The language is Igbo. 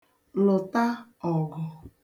lụ̀ta ọ̀gụ̀